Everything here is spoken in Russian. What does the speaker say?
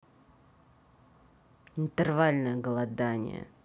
интервальное голодание